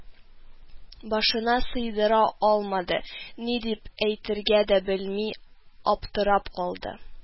Башына сыйдыра алмады, ни дип әйтергә дә белми аптырап калды